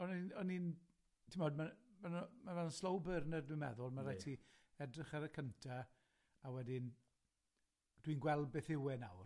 O'n i'n o'n i'n t'mod, ma' ma' nw- ma' fel slow burner dwi'n meddwl, ma' raid ti edrych ar y cynta, a wedyn dwi'n gweld beth yw e nawr.